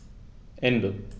Ende.